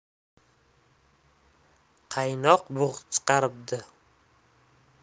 qaynoq bug' chiqaribdi